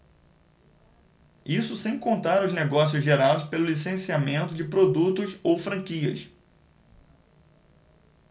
isso sem contar os negócios gerados pelo licenciamento de produtos ou franquias